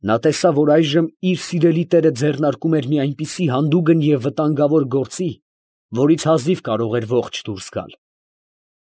Նա տեսավ, որ այժմ իր սիրելի տերը ձեռնարկում էր մի այնպիսի հանդուգն և վտանգավոր գործի, որից հազիվ կարող էր ողջ դուրս գալ։